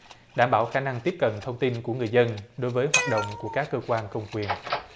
đảm bảo khả năng tiếp cận thông tin của người dân đối với hoạt động của các cơ quan công quyền